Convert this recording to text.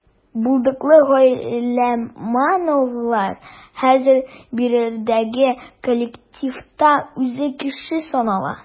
Булдыклы гыйльмановлар хәзер биредәге коллективта үз кеше санала.